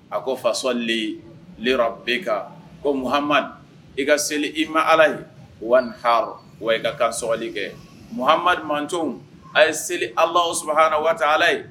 A ko fasosɔ leyi lera bɛ kan ko mohamane i ka seli i ma ala ye .waati haro wa i ka ka sɔli kɛ mohamane mantonw a ye seli ala suhala waatala ye